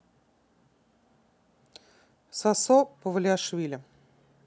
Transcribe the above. сосо павлиашвили